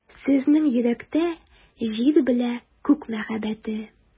Сезнең йөрәктә — Җир белә Күк мәхәббәте.